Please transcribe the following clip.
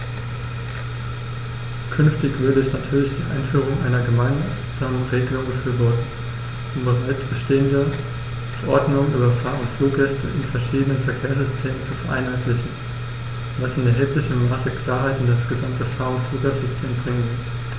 Künftig würde ich natürlich die Einführung einer gemeinsamen Regelung befürworten, um bereits bestehende Verordnungen über Fahr- oder Fluggäste in verschiedenen Verkehrssystemen zu vereinheitlichen, was in erheblichem Maße Klarheit in das gesamte Fahr- oder Fluggastsystem bringen wird.